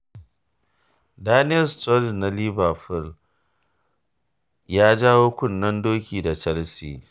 Daniel Sturridge ya kare Liverpool daga yin rashin nasara a kofin ƙalubale na Premier League a hannun Chelsea da cin da ya yi mu su a cikin mintina na 89 a ranar Asabar a Stamford Bridge a cikin Landan.